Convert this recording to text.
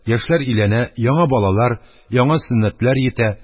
Яшьләр өйләнә, яңа балалар, яңа сөннәтләр йитә,